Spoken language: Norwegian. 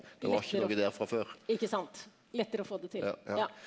ikke sant lettere å få det til ja.